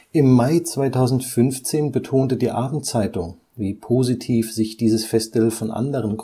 Im Mai 2015 betonte die Abendzeitung, wie positiv sich dieses Festival von anderen